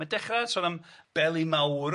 Mae'n dechra sôn am Beli Mawr,